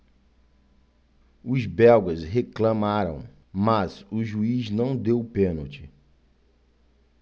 os belgas reclamaram mas o juiz não deu o pênalti